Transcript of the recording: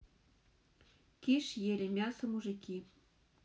киш ели мясо мужики